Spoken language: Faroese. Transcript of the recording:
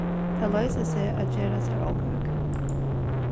tað loysir seg at gera sær ómak